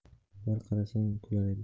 bir qarasang kulra edi